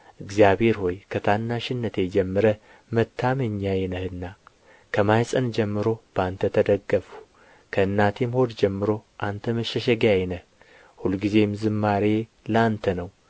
እግዚአብሔር ሆይ ከታናሽነቴ ጀምረህ መታመኛዬ ነህና ከማኅፀን ጀምሮ በአንተ ተደገፍሁ ከእናቴም ሆድ ጀምሮ አንተ መሸሸጊያዬ ነህ ሁልጊዜም ዝማሬዬ ለአንተ ነው